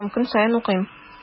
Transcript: Һәм көн саен укыйм.